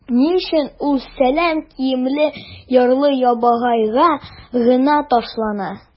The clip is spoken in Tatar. Ни өчен ул сәләмә киемле ярлы-ябагайга гына ташлана?